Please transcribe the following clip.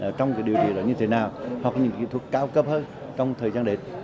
trong cái điều trị là như thế nào hoặc những cái thuốc cao cấp hơn trong thời gian đấy